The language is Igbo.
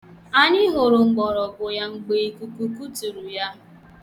Anyị hụrụ mgbọrọgwụ ya mgbe ikuku kuturu ya.